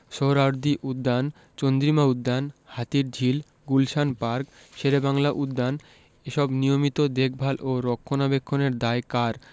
সোহ্রাওয়ার্দী উদ্যান চন্দ্রিমা উদ্যান হাতিরঝিল গুলশান পার্ক শেরেবাংলা উদ্যান এসব নিয়মিত দেখভাল ও রক্ষণাবেক্ষণের দায় কার